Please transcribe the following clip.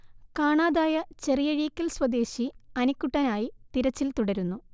കാണാതായ ചെറിയഴീക്കൽ സ്വദേശി അനിക്കുട്ടനായി തിരച്ചിൽ തുടരുന്നു